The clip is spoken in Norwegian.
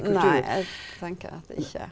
nei jeg tenker at det ikke er.